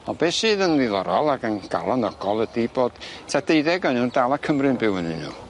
Ond be' sydd yn ddiddorol ag yn galonogol ydi bod tua deuddeg o'n nw'n dal â Cymru'n byw ynnyn nw.